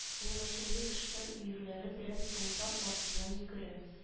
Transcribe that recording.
Аңлашылмый кешеләр өерләре белән тулпар артыннан йөгерә